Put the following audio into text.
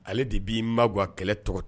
Ale de b mabɔ bɔ a kɛlɛ tɔgɔ tɛ